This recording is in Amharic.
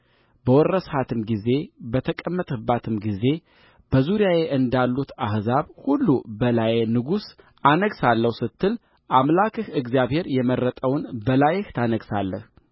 በወረስሃትም ጊዜ በተቀመጥህባትም ጊዜ በዙሪያዬ እንዳሉት አሕዛብ ሁሉ በላዬ ንጉሥ አነግሣለሁ ስትል አምላክህ እግዚአብሔር የመረጠውን በላይህ ታነግሣለህ